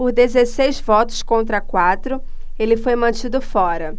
por dezesseis votos contra quatro ele foi mantido fora